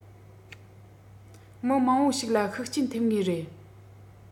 མི མང པོ ཞིག ལ ཤུགས རྐྱེན ཐེབས ངེས རེད